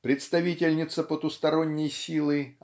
представительница потусторонней силы